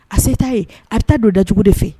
A se t' ye a bɛ don dajugu de fɛ